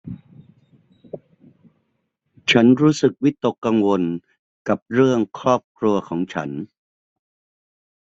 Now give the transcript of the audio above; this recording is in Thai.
ฉันรู้สึกวิตกกังวลกับเรื่องครอบครัวของฉัน